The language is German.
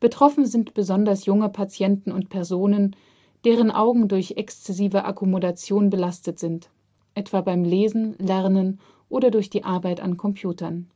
Betroffen sind besonders junge Patienten und Personen, deren Augen durch exzessive Akkommodation belastet sind, etwa beim Lesen, Lernen oder durch die Arbeit an Computern